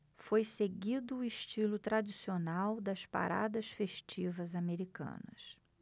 foi seguido o estilo tradicional das paradas festivas americanas